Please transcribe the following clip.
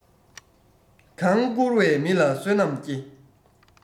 གང བཀུར བའི མི ལ བསོད ནམས སྐྱེ